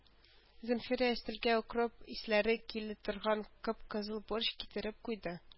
Зәнфирә өстәлгә укроп исләре килеп торган кып-кызыл борщ китереп куйды.